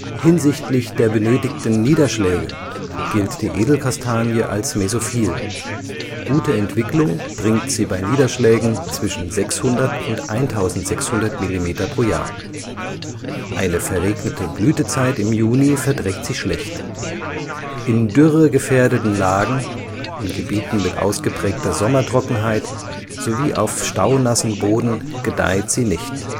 Hinsichtlich der benötigten Niederschläge gilt die Edelkastanie als mesophil: gute Entwicklung bringt sie bei Niederschlägen zwischen 600 und 1600 mm pro Jahr. Eine verregnete Blütezeit im Juni verträgt sie schlecht. In dürregefährdeten Lagen, in Gebieten mit ausgeprägter Sommertrockenheit, sowie auf staunassem Boden gedeiht sie nicht